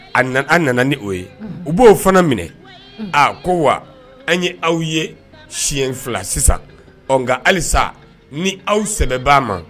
A nana a nana ni' ye u b'o fana minɛ aa ko wa an ye aw ye siɲɛ fila sisan ɔ nka halisa ni aw sɛbaa ma